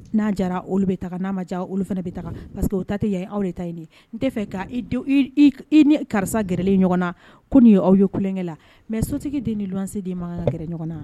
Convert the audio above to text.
N'a jara olu bɛ ta n'a ma olu fana bɛ ta paseke o ta tɛ yan aw de ta nin n tɛ fɛ' i ni karisa gɛrɛlen ɲɔgɔn na ko nin y ye awaw ye kukɛ la mɛ sotigi den ni wanse di ma ka gɛrɛ ɲɔgɔn na